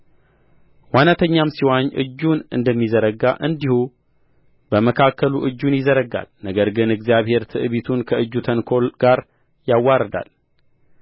ዋናተኛም ሲዋኝ እጁን እንደሚዘረጋ እንዲሁ በመካከሉ እጁን ይዘረጋል ነገር ግን እግዚአብሔር ትዕቢቱን ከእጁ ተንኰል ጋር ያዋርዳል